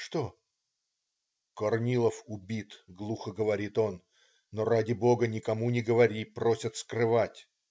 Что?" - "Корнилов убит, глухо говорит он,- но, ради Бога, никому не говори, просят скрывать.